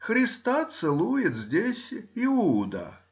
Христа целует здесь Иуда.